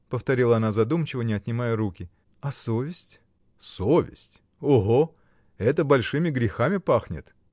— повторила она задумчиво, не отнимая руки, — а совесть? — Совесть! О-го! это большими грехами пахнет!